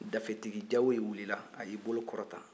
dafetigi jawoyi wulila a y'i bolo kɔrɔta